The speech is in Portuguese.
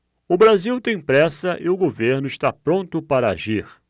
o brasil tem pressa e o governo está pronto para agir